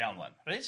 iawn ŵan reit.